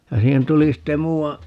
ja siihen tuli sitten muuan